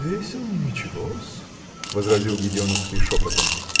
-- Веселее, ничего-с, -- возразил Гедеоновский шепотом.